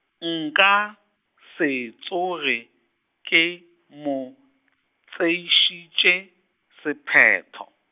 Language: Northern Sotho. nka, se tsoge, ke, mo, tšeišitše sephetho.